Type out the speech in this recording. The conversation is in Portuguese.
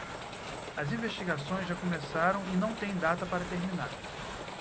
as investigações já começaram e não têm data para terminar